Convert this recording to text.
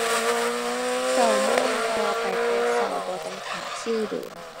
เก้าโมง เพราะว่าไปแต่เช้าบ่ต้องท่าคิวโดน